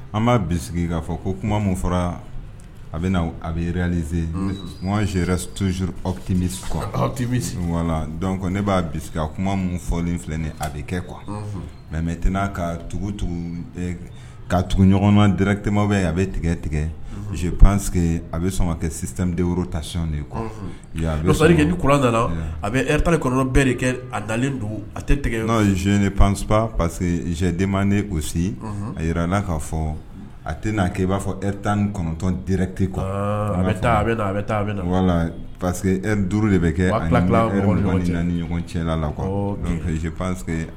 An b'a bisi kaa fɔ ko kuma min fɔra a bɛ na a bɛze makan zuruti awtibi wala ne b'a bi ka kuma min fɔlen filɛ a bɛ kɛ kuwa mɛ mɛ tɛna n ka tugu ka tuguɲɔgɔnɔn dɛrɛtɛma bɛ ye a bɛ tigɛ tigɛ panse a bɛ sɔn kɛ sisan tasi derike niuranda la a bɛ epri kɔnɔ bɛɛ de kɛ a a tɛ tigɛ ze pansp pa parce que zdenma ne o si a jira n' kaa fɔ a tɛna k' i b'a fɔ e tan kɔnɔntɔn dɛrɛte a bɛ taa a wala pa que duuru de bɛ kɛ ni ɲɔgɔn cɛ laz panse